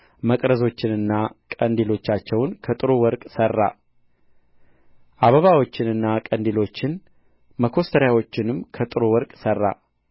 መቅረዞችንና ቀንዲሎቻቸውን ከጥሩ ወርቅ ሠራ አበባዎቹንና ቀንዲሎቹን መኮስተሪያዎቹንም ከጥሩ ወርቅ ሠራ